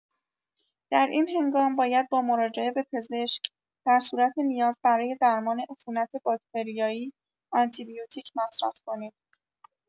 در این هنگام باید با مراجعه به پزشک در صورت نیاز برای درمان عفونت باکتریایی، آنتی‌بیوتیک مصرف کنید.